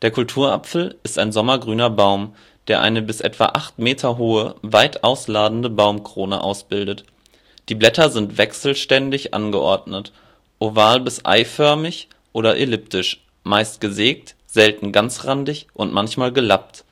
Kulturapfel ist ein sommergrüner Baum, der eine bis etwa 8 m hohe weit ausladende Baumkrone ausbildet. Die Blätter sind wechselständig angeordnet, oval bis eiförmig oder elliptisch, meist gesägt, selten ganzrandig und manchmal gelappt